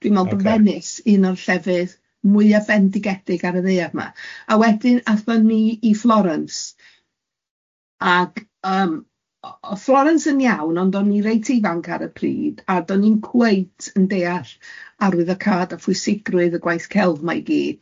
Oh reit oce. Dwi'n meddwl bod Venice un o'r llefydd mwyaf bendigedig ar y ddaear ma. A wedyn aethon ni i Florence ag yym o- oedd Florence yn iawn, ond o'n i reit ifanc ar y pryd, a do'n i'n cweit yn deall arwydd o cad a phwysigrwydd y gwaith celf yma i gyd.